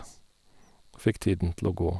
Fikk tiden til å gå.